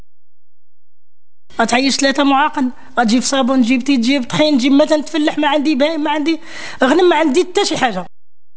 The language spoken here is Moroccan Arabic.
ثلاثه اماكن وجيب صابون جبتي جيب طحين جيب متسلح ما عندي ما عندي ما عندي